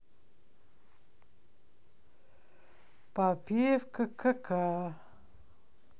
попевки к ка